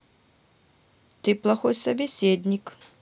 ты плохой собеседник